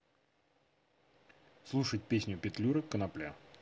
слушать песню петлюра конопля